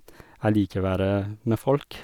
Jeg liker være med folk.